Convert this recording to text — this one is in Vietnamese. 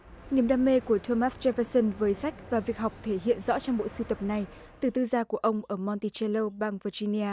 niềm đam mê của thô mát che phi sưn với sách và việc học thể hiện rõ trong bộ sưu tập này từ tư gia của ông ở mon ti che lâu bang vơ chi ni a